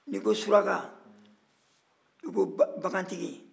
n'i ko suraka i ko bagantigi